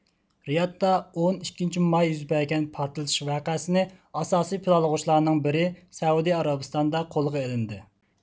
رىيادتا ئون ئىككىنچى ماي يۈز بەرگەن پارتلىتىش ۋەقەسىنى ئاساسىي پىلانلىغۇچىلارنىڭ بىرى سەئۇدى ئەرەبىستانىدا قولغا ئېلىندى